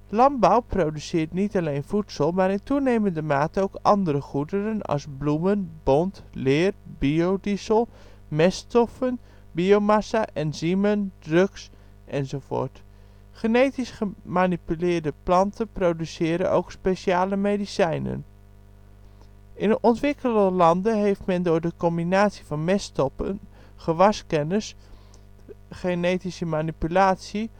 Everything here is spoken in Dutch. Landbouw produceert niet alleen voedsel, maar in toenemende mate ook andere goederen als bloemen, bont, leer, biodiesel, meststoffen, biomassa, enzymen, drugs, enz. Genetisch gemanipuleerde planten produceren ook speciale medicijnen. In de ontwikkelde landen heeft men door de combinatie van meststoffen, gewaskennis, genetische manipulatie